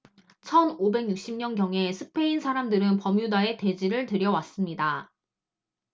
천 오백 육십 년경에 스페인 사람들은 버뮤다에 돼지를 들여왔습니다